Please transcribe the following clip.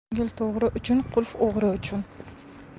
ko'ngil to'g'ri uchun qulf o'g'ri uchun